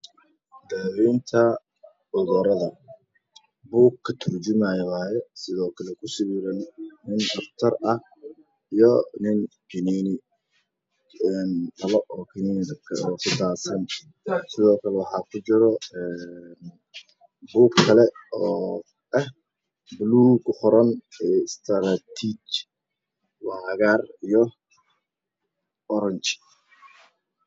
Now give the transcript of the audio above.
Daaweynta cudurada buug ka turjumaayo waayo sidoo kale ku sawiran nin dhaqtar ah iyo nin kiniini een kalo oo kiniini oo kle ku daadsan sidoo kle waxaa ku juro Buug kale oo eh buluug ku qoran ee istaraatiiji waa cagaar iyo Oranji